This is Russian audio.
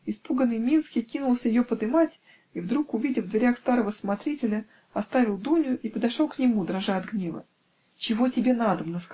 Испуганный Минский кинулся ее подымать и, вдруг увидя в дверях старого смотрителя, оставил Дуню и подошел к нему, дрожа от гнева. "Чего тебе надобно?